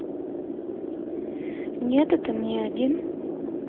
нет это мне один